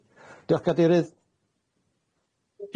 Diolch Gadeirydd.